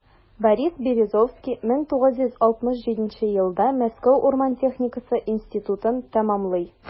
Борис Березовский 1967 елда Мәскәү урман техникасы институтын тәмамлый.